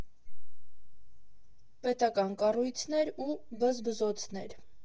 ՊԵՏԱԿԱՆ ԿԱՌՈՒՅՑՆԵՐ ՈՒ ԲԶԲԶՈՑՆԵՐ։